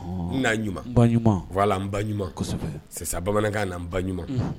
N'a ɲuman an ba ɲuman sisan bamanankan n ba ɲuman